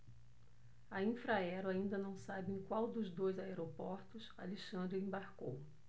a infraero ainda não sabe em qual dos dois aeroportos alexandre embarcou